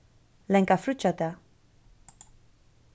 langa fríggjadag